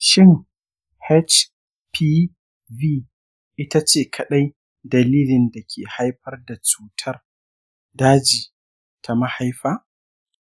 shin hpv ita ce kaɗai dalilin da ke haifar da cutar daji ta mahaifa ?